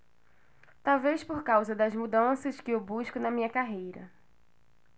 talvez por causa das mudanças que eu busco na minha carreira